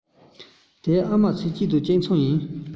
དེ ཨ མ ཚེ སྐྱིད དང གཅིག མཚུངས ཡིན